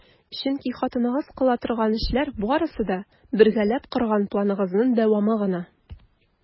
Чөнки хатыныгыз кыла торган эшләр барысы да - бергәләп корган планыгызның дәвамы гына!